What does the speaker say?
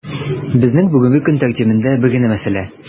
Безнең бүгенге көн тәртибендә бер генә мәсьәлә: